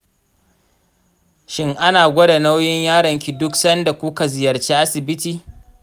shin ana gwada nauyin yaron ki duk sanda kuka ziyarci asibiti?